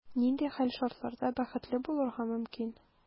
Нинди хәл-шартларда бәхетле булырга мөмкин?